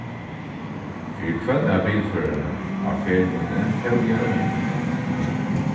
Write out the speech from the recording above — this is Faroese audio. fyri hvønn av bilførarunum á ferð míni tók eg eina mynd